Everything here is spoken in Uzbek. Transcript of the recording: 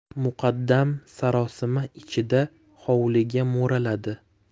muqaddam sarosima ichida hovliga mo'raladi